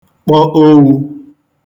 kpọ owū